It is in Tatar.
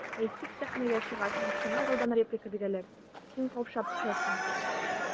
Әйтик, сәхнәгә чыгасың, сиңа залдан реплика бирәләр, син каушап төшәсең.